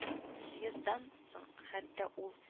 Съезддан соң хәтта ул